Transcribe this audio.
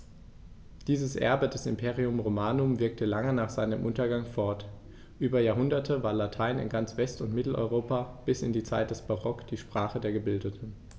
Dieses Erbe des Imperium Romanum wirkte lange nach seinem Untergang fort: Über Jahrhunderte war Latein in ganz West- und Mitteleuropa bis in die Zeit des Barock die Sprache der Gebildeten.